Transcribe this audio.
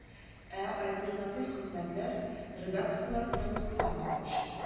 Ә альтернатив хезмәтләр редакцияләр белән турыдан-туры эшли.